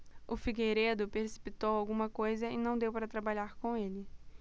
o figueiredo precipitou alguma coisa e não deu para trabalhar com ele